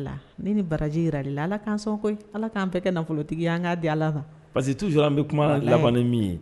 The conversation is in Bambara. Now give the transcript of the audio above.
Ni baraji jira la ala k' sɔn koyi ala k'an bɛɛ kɛ nafolotigi an ka di ala kan pa que tuur bɛ kuma lamani min ye